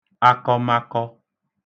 akọmakọ